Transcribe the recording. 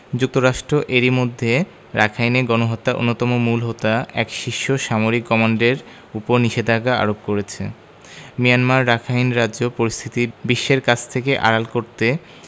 যুক্তরাষ্ট্র এরই মধ্যে রাখাইনে গণহত্যার অন্যতম মূল হোতা এক শীর্ষ সামরিক কমান্ডারের ওপর নিষেধাজ্ঞা আরোপ করেছে মিয়ানমার রাখাইন রাজ্য পরিস্থিতি বিশ্বের কাছ থেকে আড়াল করতে